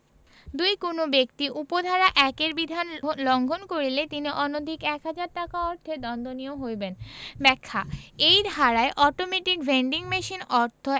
২ কোন ব্যক্তি উপ ধারা ১ এর বিধান লংঘন করিলে তিনি অনধিক এক হাজার টাকা অর্থ দন্ডে দন্ডনীয় হইবেন ব্যাখ্যাঃ এই ধারায় অটোমেটিক ভেন্ডিং মেশিন অর্থ